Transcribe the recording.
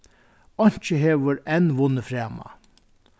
einki hevur enn vunnið frama